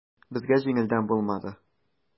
Безгә җиңелдән булмады.